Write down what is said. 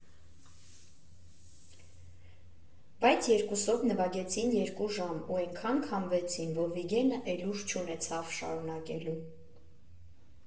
Բայց երկուսով նվագեցին երկու ժամ ու էնքան քամվեցին, որ Վիգենը էլ ուժ չունեցավ շարունակելու։